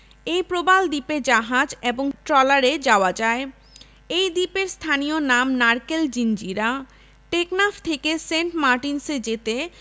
এই প্রবাল দ্বীপে জাহাজ এবং ট্রলারে যাওয়া যায় এই দ্বীপের স্থানীয় নাম নারকেল জিঞ্জিরা টেকনাফ থেকে সেন্ট মার্টিনসে যেতে